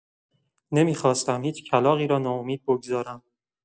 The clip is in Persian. نمی‌خواستم هیچ کلاغی را ناامید بگذارم.